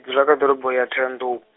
dzula kha ḓorobo ya Ṱhohoyanḓou.